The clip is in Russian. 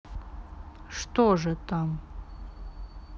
что же там